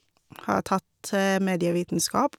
Har tatt medievitenskap.